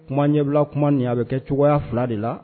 Kuma ɲɛbila kuma nin a bɛ kɛ cogoya fila de la